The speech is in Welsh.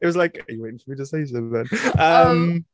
It was like "Are you waiting for me to say something?" Yym.